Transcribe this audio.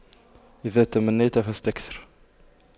إذا تمنيت فاستكثر